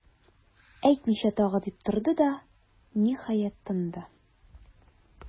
Әйтмичә тагы,- дип торды да, ниһаять, тынды.